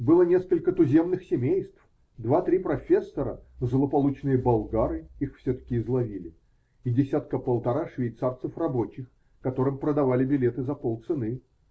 Было несколько туземных семейств, два-три профессора, злополучные болгары (их все-таки изловили) и десятка полтора швейцарцев-рабочих, которым продавали билеты за полцены.